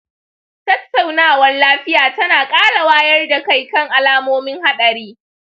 tattaunawar lafiya tana ƙara wayar da kai kan alamomin haɗari